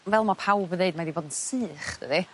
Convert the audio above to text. fel ma' pawb yn ddeud mae 'di bod yn sych dydi?